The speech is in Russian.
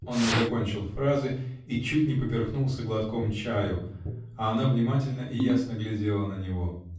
Он не закончил фразы и чуть не поперхнулся глотком чаю, а она внимательно и ясно глядела на него.